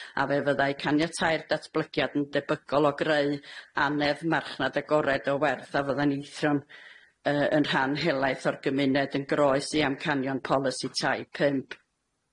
A fe fyddai caniatáu'r datblygiad yn debygol o greu annedd marchnad agored o werth a fydda'n eithro'n yy 'yn rhan helaeth o'r gymuned yn groes i amcanion polisi tai pump.